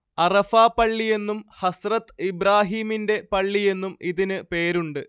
അറഫാ പള്ളിയെന്നും ഹസ്രത്ത് ഇബ്രാഹീമിന്റെ പള്ളിയെന്നും ഇതിന് പേരുണ്ട്